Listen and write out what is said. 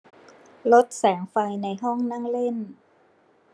ลดแสงไฟในห้องนั่งเล่น